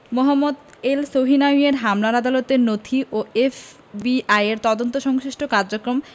মোহাম্মদ এলসহিনাউয়ির মামলায় আদালতের নথি ও এফবিআইয়ের তদন্ত সংশ্লিষ্ট কার্জকম